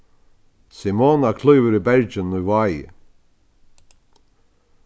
simona klívur í berginum í vági